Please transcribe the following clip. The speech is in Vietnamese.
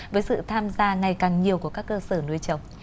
với sự tham gia ngày càng nhiều của các cơ sở nuôi trồng